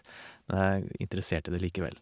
Men jeg er interessert i det likevel.